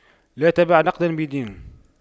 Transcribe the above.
لا تبع نقداً بدين